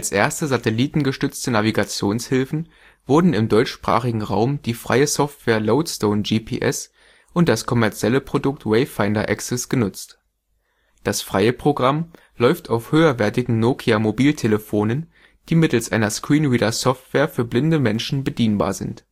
erste satellitengestützte Navigationshilfen wurden im deutschsprachigen Raum die freie Software Loadstone-GPS und das kommerzielle Produkt Wayfinder Access genutzt. Das freie Programm läuft auf höherwertigen Nokia-Mobiltelefonen, die mittels einer Screenreader-Software für blinde Menschen bedienbar sind